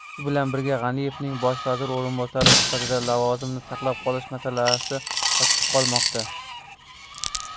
shu bilan birga g'aniyevning bosh vazir o'rinbosari sifatida lavozimni saqlab qolish masalasi ochiq qolmoqda